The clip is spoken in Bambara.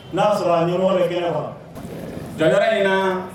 N'a'a sɔrɔ a ɲɔ bɛ kɛnɛ wa ja in